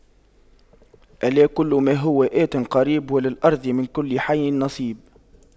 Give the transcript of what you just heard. ألا كل ما هو آت قريب وللأرض من كل حي نصيب